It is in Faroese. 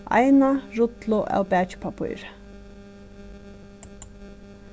eina rullu av bakipappíri